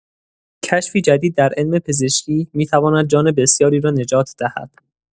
کشفی جدید در علم پزشکی می‌تواند جان بسیاری را نجات دهد.